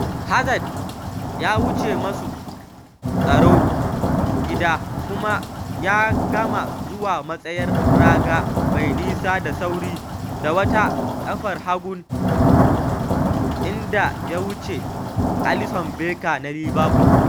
Hazard ya wuce masu tsaron gida kuma ya gama zuwa matsayar raga mai nisa da sauri da wata ƙafar hagun inda ya wuce Alisson Becker na Liverpool.